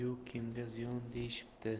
yu kimga ziyon deyishibdi